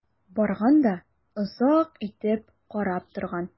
Барган да озак итеп карап торган.